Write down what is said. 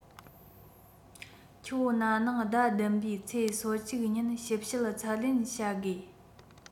ཁྱོད ན ནིང ཟླ ༧ པའི ཚེས ༣༡ ཉིན ཞིབ དཔྱད ཚད ལེན བྱ དགོས